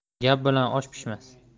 gap bilan osh pishmas